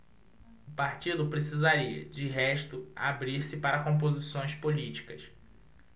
o partido precisaria de resto abrir-se para composições políticas